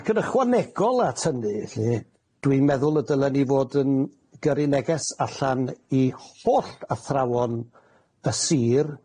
Ac yn ychwanegol at hynny felly dwi'n meddwl y dylen ni fod yn gyrru neges allan i holl athrawon y si,